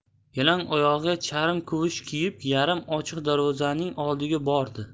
yalang oyog'iga charm kavush kiyib yarim ochiq darvozaning oldiga bordi